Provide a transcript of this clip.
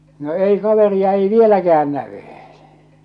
no ei kaveria ei vieläkään näy